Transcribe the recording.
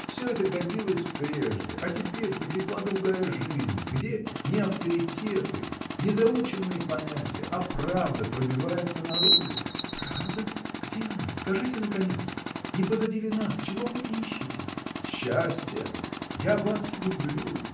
Всё это годилось прежде, а теперь потекла другая жизнь, где не авторитеты, не заученные понятия, а правда пробивается наружу. — Правда — где она? скажите наконец!. Не позади ли нас? Чего вы ищете? — Счастья! я вас люблю!